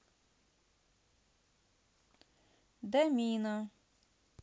домина